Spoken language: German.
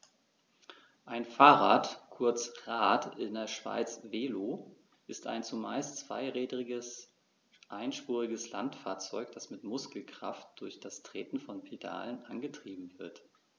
Ein Fahrrad, kurz Rad, in der Schweiz Velo, ist ein zumeist zweirädriges einspuriges Landfahrzeug, das mit Muskelkraft durch das Treten von Pedalen angetrieben wird.